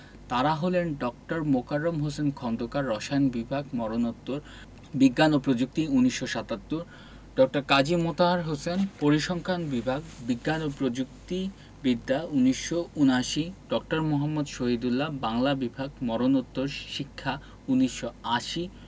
তাঁরা হলেন ড. মোকাররম হোসেন খন্দকার রসায়ন বিভাগ মরণোত্তর বিজ্ঞান ও প্রযুক্তি ১৯৭৭ ড. কাজী মোতাহার হোসেন পরিসংখ্যান বিভাগ বিজ্ঞান ও প্রযুক্তি বিদ্যা ১৯৭৯ ড. মুহম্মদ শহীদুল্লাহ বাংলা বিভাগ মরণোত্তর শিক্ষা ১৯৮০